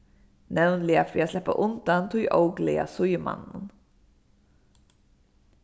nevniliga fyri at sleppa undan tí óglaða síðumanninum